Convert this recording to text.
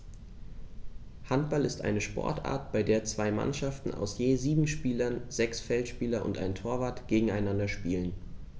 Handball ist eine Sportart, bei der zwei Mannschaften aus je sieben Spielern (sechs Feldspieler und ein Torwart) gegeneinander spielen.